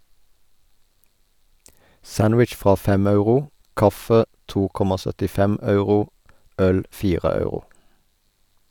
Sandwich fra 5 euro, kaffe 2,75 euro, øl 4 euro.